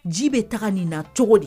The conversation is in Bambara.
Ji bɛ taga nin na cogo di